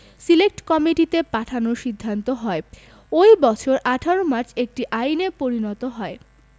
select কমিটিতে পাঠানোর সিদ্ধান্ত হয় ওই বছর ১৮ মার্চ একটি আইনে পরিণত হয়